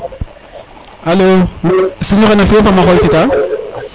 alo Signe noxe nam fiyo fo mamo xoytit